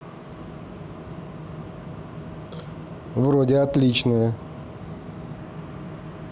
вроде отличная